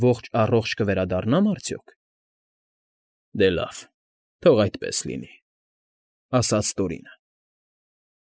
Եվ ողջ֊առողջ կվերադառնա՞մ արդյոք»։ ֊ Դե լավ, թող այդպես լինի, ֊ ասաց Տորինը։ ֊